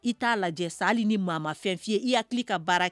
I t'a lajɛ sa ni maa ma fɛn f ye i hakili ka baara kɛ